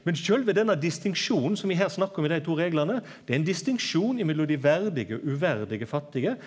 men sjølve denne distinksjonen som vi her snakkar om med dei to reglane det er ein distinksjon i mellom dei verdig og uverdige fattige.